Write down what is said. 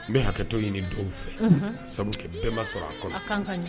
N bɛ hakɛtɔ ɲini dɔw fɛ sabu bɛnba sɔrɔ a kɔnɔ kan